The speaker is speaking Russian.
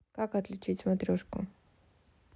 как отключить смотрешку